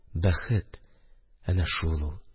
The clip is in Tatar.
Бәхет – әнә шул ул.